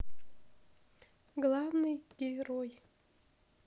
главный герой